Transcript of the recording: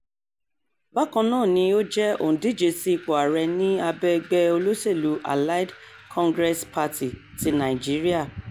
Bákan náà ni ó jẹ́ òǹdíje sí ipò ààrẹ ní abẹ́ ẹgbẹ́ olóṣèlú Allied Congress Party ti Nàìjíríà.